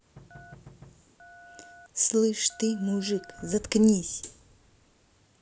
слышь ты мужик заткнись